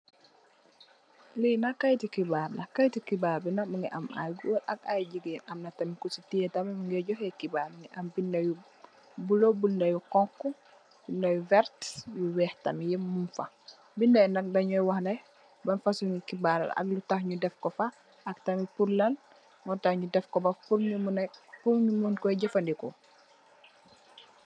Li nak keyeti xibaar la, keyetti xibaar bi nak mungi am ay goor ak ay jigeen. Amna tam ku teyeh tam mungi johe xibarr bi, am binda yu bulo, binda yu xonxo, binda yu verta ak yu weex tam nyung fa. Binda yi nak danyu wahne ban fusom xibarr la, ak lutah nyu defko fa, ak pur lan nyu dafko, pur nyu munkoi jefandikoo.